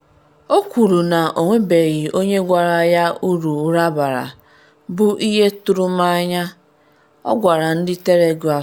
O kwuru na ọ nwebeghị onye gwara ya uru ụra bara- bụ ihe tụrụ m n’anya.’ ọ gwara The Telegraph.